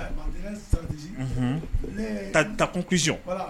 Ta takunsɔn